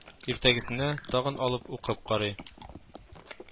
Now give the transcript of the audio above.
Иртәгәсенә тагын алып укып карый